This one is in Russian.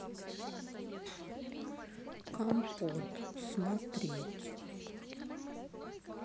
компот смотреть